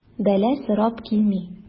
Бәла сорап килми.